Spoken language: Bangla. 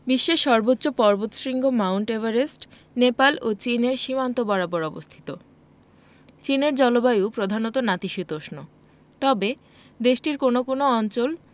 বিশ্বের সর্বোচ্চ পর্বতশৃঙ্গ মাউন্ট এভারেস্ট নেপাল ও চীনের সীমান্ত বরাবর অবস্থিত চীনের জলবায়ু প্রধানত নাতিশীতোষ্ণ তবে দেশটির কোনো কোনো অঞ্চল